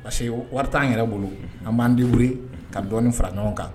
Parce que wari' n yɛrɛ bolo an'an diur ka dɔɔnin fara ɲɔgɔn kan